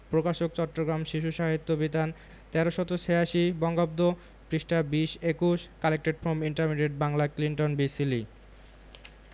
প্রকাশকঃ চট্টগ্রাম শিশু সাহিত্য বিতান ১৩৮৬ বঙ্গাব্দ পৃষ্ঠাঃ ২০ ২১ collected from intermediate Bangla Clinton B Seely